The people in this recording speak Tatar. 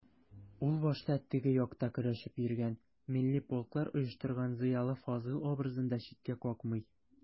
Ул башта «теге як»та көрәшеп йөргән, милли полклар оештырган зыялы Фазыйл образын да читкә какмый.